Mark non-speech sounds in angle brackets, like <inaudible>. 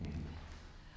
<hesitation> <hesitation>